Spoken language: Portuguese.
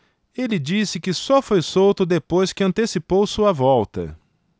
ele disse que só foi solto depois que antecipou sua volta